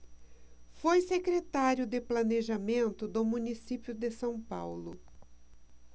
foi secretário de planejamento do município de são paulo